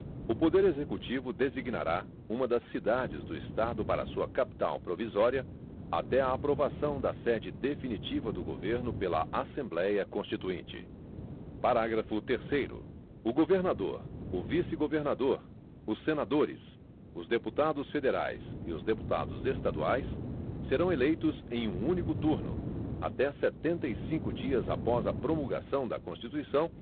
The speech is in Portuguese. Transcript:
o poder executivo designará uma das cidades do estado para sua capital provisória até a aprovação da sede definitiva do governo pela assembléia constituinte parágrafo terceiro o governador o vice governador os senadores os deputados federais e os deputados estaduais serão eleitos em um único turno até setenta e cinco dias após a promulgação da constituição